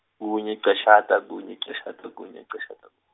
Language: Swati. kunye licashata, kunye licashata, kunye licashata.